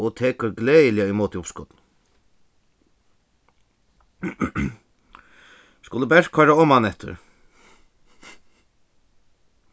og tekur gleðiliga ímóti uppskotinum skulu bert koyra omaneftir